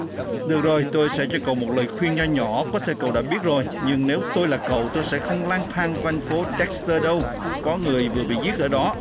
được rồi tôi sẽ cho cậu một lời khuyên nho nhỏ có thể cậu đã biết rồi nhưng nếu tôi là cậu tôi sẽ không lang thang quanh phố đéc tơ đâu có người vừa bị giết ở đó